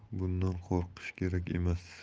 qo'rqish kerak emas